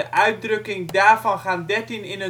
uitdrukking daarvan gaan dertien in